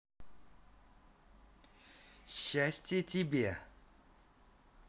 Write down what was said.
счастье тебе